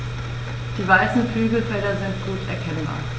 Die weißen Flügelfelder sind gut erkennbar.